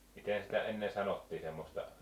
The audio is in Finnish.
miten sitä ennen sanottiin semmoista